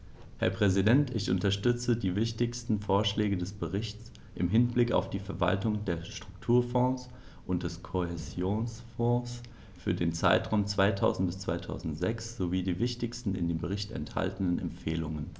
Herr Präsident, ich unterstütze die wichtigsten Vorschläge des Berichts im Hinblick auf die Verwaltung der Strukturfonds und des Kohäsionsfonds für den Zeitraum 2000-2006 sowie die wichtigsten in dem Bericht enthaltenen Empfehlungen.